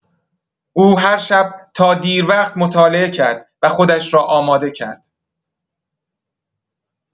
او هر شب تا دیر وقت مطالعه کرد و خودش را آماده کرد.